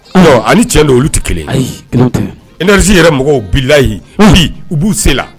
Ɔ ani cɛn don olu tɛ kelen iresi yɛrɛ mɔgɔw bilalayi bi u b'u sen la